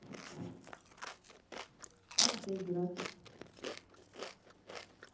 как это играть